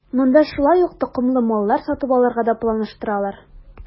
Монда шулай ук токымлы маллар сатып алырга да планлаштыралар.